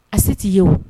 A se t'i ye o